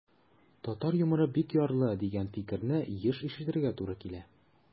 Татар юморы бик ярлы, дигән фикерне еш ишетергә туры килә.